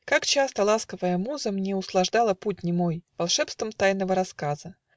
Как часто ласковая муза Мне услаждала путь немой Волшебством тайного рассказа!